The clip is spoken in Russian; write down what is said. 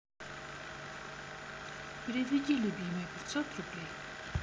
переведи любимой пятьдесят рублей